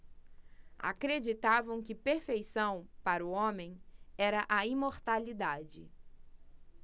acreditavam que perfeição para o homem era a imortalidade